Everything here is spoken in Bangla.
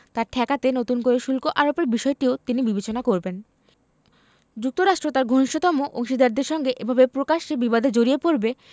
তা ঠেকাতে নতুন করে শুল্ক আরোপের বিষয়টিও তিনি বিবেচনা করবেন যুক্তরাষ্ট্র তার ঘনিষ্ঠতম অংশীদারদের সঙ্গে এভাবে প্রকাশ্যে বিবাদে জড়িয়ে পড়বে